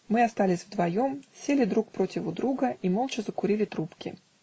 мы остались вдвоем, сели друг противу друга и молча закурили трубки.